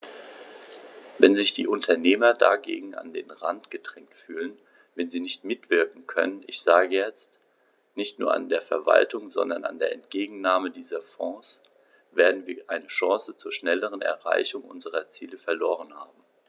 Wenn sich die Unternehmer dagegen an den Rand gedrängt fühlen, wenn sie nicht mitwirken können ich sage jetzt, nicht nur an der Verwaltung, sondern an der Entgegennahme dieser Fonds , werden wir eine Chance zur schnelleren Erreichung unserer Ziele verloren haben.